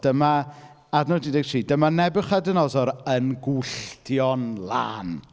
Dyma, adnod un deg tri, "Dyma Nebiwchodynosor yn gwylltio'n lân."